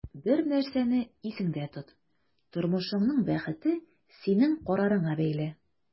Бер нәрсәне исеңдә тот: тормышыңның бәхете синең карарыңа бәйле.